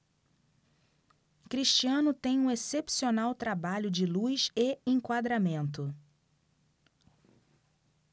cristiano tem um excepcional trabalho de luz e enquadramento